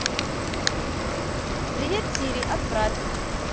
привет сири отправь